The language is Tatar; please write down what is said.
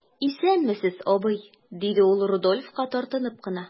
Исәнмесез, абый,– диде ул Рудольфка, тартынып кына.